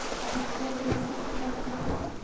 arab bor yerga qarab bor